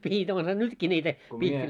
pihdit onhan nytkin niitä -